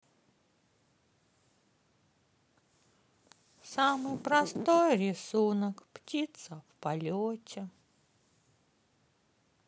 самый простой рисунок птица в полете